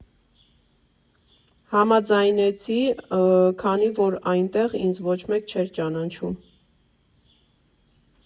Համաձայնեցի, քանի որ այստեղ ինձ ոչ մեկ չէր ճանաչում։